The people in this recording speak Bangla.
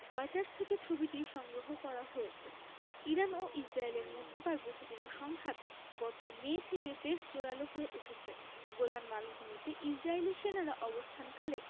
রয়টার্স থেকে ছবিটি সংগ্রহ করা হয়েছে ইরান ও ইসরায়েলের মধ্যকার বহুদিনের সংঘাত গত মে থেকে বেশ জোরালো হয়ে উঠেছে গোলান মালভূমিতে ইসরায়েলি সেনারা অবস্থানকালে